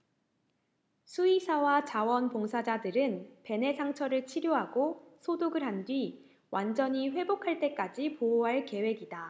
수의사와 자원 봉사자들은 벤의 상처를 치료하고 소독을 한 뒤 완전히 회복할 때까지 보호할 계획이다